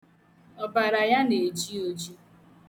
Ọbara ya na-eji oji.